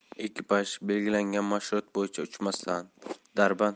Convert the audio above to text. ekipaj belgilangan marshrut bo'yicha uchmasdan darband va